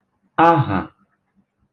ahà